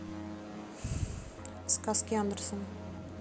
сказки андерсена